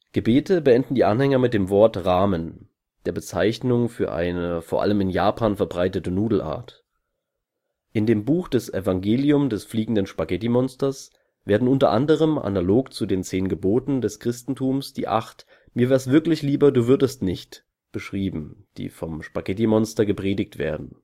Gebete beenden die Anhänger mit dem Wort Ramen (oft auch RAmen geschrieben), der Bezeichnung für eine vor allem in Japan verbreitete Nudelart. Im Buch Das Evangelium des Fliegenden Spaghettimonsters werden unter anderem analog zu den Zehn Geboten des Christentums die acht „ Mir wär’ s wirklich lieber Du würdest nicht… “s beschrieben, die vom Spaghettimonster gepredigt werden